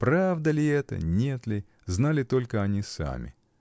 Правда ли это, нет ли — знали только они сами.